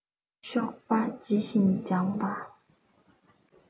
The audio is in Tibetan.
གཤོག པ ཇི བཞིན ལྗང བ